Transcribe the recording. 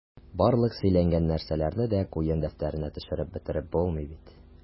Барлык сөйләнгән нәрсәләрне дә куен дәфтәренә төшереп бетереп булмый бит...